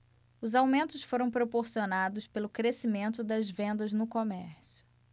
os aumentos foram proporcionados pelo crescimento das vendas no comércio